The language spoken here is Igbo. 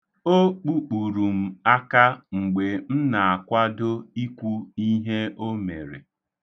O kpukpuru m aka mgbe m na-akwado ikwu ihe o mere.